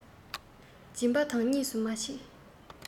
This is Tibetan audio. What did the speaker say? སྦྱིན པ དང གཉིས སུ མ མཆིས